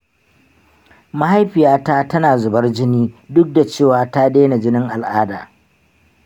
mahaifiyata tana zubar jini duk da cewa ta daina jinin al’ada.